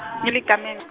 kamen-.